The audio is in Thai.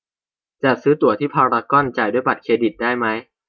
จะซื้อตั๋วที่พารากอนจ่ายด้วยบัตรเครดิตได้ม้้ย